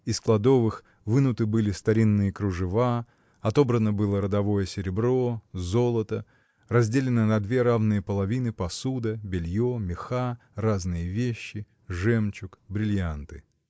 Из кладовых вынуты были старинные кружева, отобрано было родовое серебро, золото, разделены на две равные половины посуда, белье, меха, разные вещи, жемчуг, брильянты.